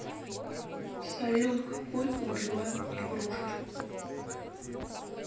салют какой убивают игрушечку